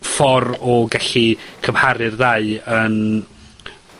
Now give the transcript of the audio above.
ffor o gellu cymharu'r ddau yn